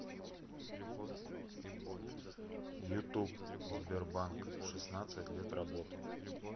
youtube сбербанк шестнадцать лет работы